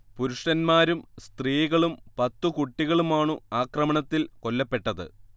പുരുഷന്മാരും സ്ത്രീകളും പത്തു കുട്ടികളും ആണു അക്രമത്തിൽ കൊല്ലപ്പെട്ടത്